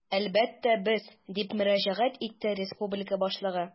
Әлбәттә, без, - дип мөрәҗәгать итте республика башлыгы.